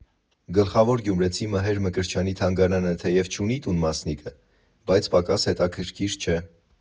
Գլխավոր գյումրեցի Մհեր Մկրտչյանի թանգարանը թեև չունի «տուն» մասնիկը, բայց պակաս հետաքրքիր չէ։